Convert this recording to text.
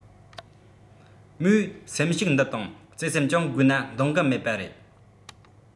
མོས སེམས ཤུགས འདི དང བརྩེ སེམས ཀྱང དགོས ན འདང གི མེད པ རེད